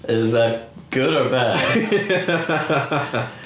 Is that good or bad?